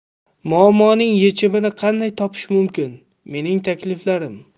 muammoning yechimini qanday topish mumkin mening takliflarim